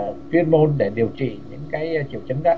chuyên môn để điều trị những cái triệu chứng đó